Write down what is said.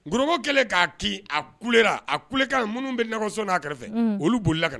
N gbo kɛlen k'a kin a kulera a kulekan minnu bɛ nɛgɛso aa kɛrɛfɛ olu bolila na